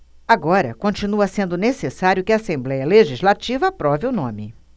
agora continua sendo necessário que a assembléia legislativa aprove o nome